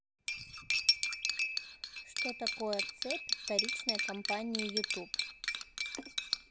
что такое цепь вторичной компании youtube